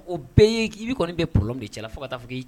O bɛɛ i bɛ kɔni bɛ de cɛla fo ka taa